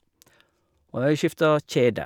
Og jeg skifta kjede.